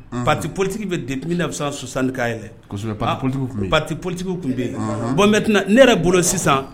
Pati politigi bɛ de na fisasan'a yɛrɛ pa pati politigiw tun bɛ yen bɔnt ne yɛrɛ bolo sisan